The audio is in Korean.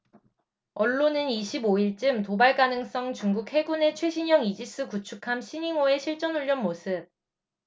언론은 이십 오 일쯤 도발 가능성중국 해군의 최신형 이지스 구축함 시닝호의 실전훈련 모습